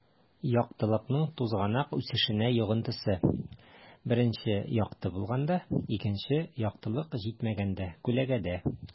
Яктылыкның тузганак үсешенә йогынтысы: 1 - якты булганда; 2 - яктылык җитмәгәндә (күләгәдә)